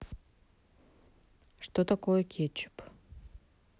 что такое кетчуп